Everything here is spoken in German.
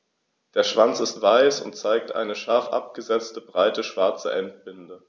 Der Schwanz ist weiß und zeigt eine scharf abgesetzte, breite schwarze Endbinde.